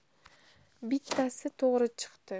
bittasi to'g'ri chiqdi